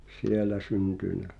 siellä syntynyt